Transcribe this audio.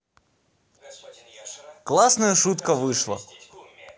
классная шутка вышла